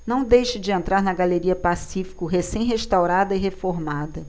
não deixe de entrar na galeria pacífico recém restaurada e reformada